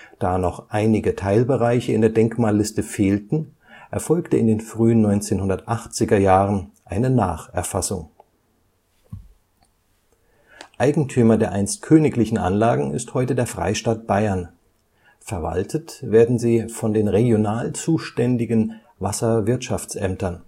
Da noch einige Teilbereiche in der Denkmalliste fehlten, erfolgte in den frühen 1980er Jahren eine Nacherfassung. Eigentümer der einst königlichen Anlagen ist heute der Freistaat Bayern, verwaltet werden sie von den regional zuständigen Wasserwirtschaftsämtern